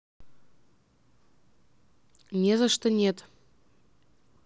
не за что нет